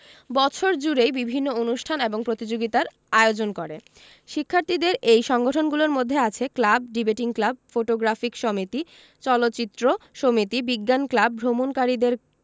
বছর জুড়েই বিভিন্ন অনুষ্ঠান এবং প্রতিযোগিতার আয়োজন করে শিক্ষার্থীদের এই সংগঠনগুলির মধ্যে আছে ক্লাব ডিবেটিং ক্লাব ফটোগ্রাফিক সমিতি চলচ্চিত্র সমিতি বিজ্ঞান ক্লাব ভ্রমণকারীদের